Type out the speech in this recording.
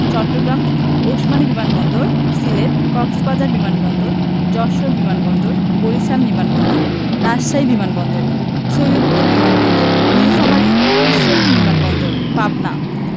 চট্টগ্রাম ওসমানী বিমান বন্দর সিলেট কক্সবাজার বিমান বন্দর যশোর বিমান বন্দর বরিশাল বিমান বন্দর রাজশাহী বিমান বন্দর সৈয়দপুর বিমান বন্দর নিলফামারী ঈশ্বরদী বিমান বন্দর পাবনা